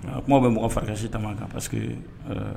Kuma bɛ mɔgɔ farasi taama ka parce que